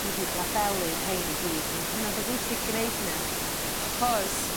dwi 'di labelu'r rhein i gyd ma'n hynod o bwysig gneud hynna achos